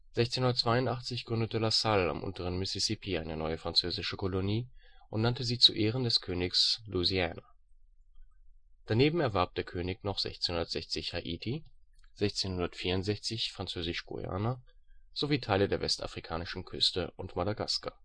1682 gründete La Salle am unteren Mississippi eine neue frz. Kolonie und nannte sie zu Ehren des Königs Louisiana. Daneben erwarb der König noch 1660 Haiti, 1664 Französisch-Guayana, sowie Teile der westafrikanischen Küste und Madagaskar